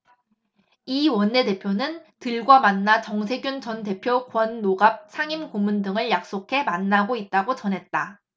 이 원내대표는 들과 만나 정세균 전 대표 권노갑 상임고문 등을 약속해 만나고 있다고 전했다